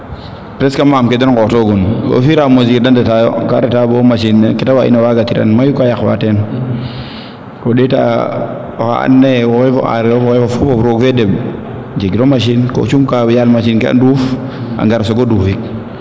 presque maam ke den ngoox to gun au fur a mesure de ndeta yo ka reta bo machine ne keete waag ina waga tiran mayu ka yaqwa yo ko ndeeta oxa ando naye waxey foroog fee deɓ jegiro machine ko cung ka yaal machine ke a nduuf a ngar o soosgo dufiid